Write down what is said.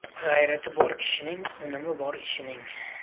g'ayrati bor kishining unumi bor ishining